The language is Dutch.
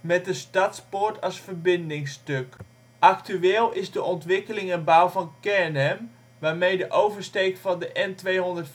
(met de Stadspoort als verbindingsstuk). Actueel is de ontwikkeling en bouw van Kernhem, waarmee de oversteek van de N224 een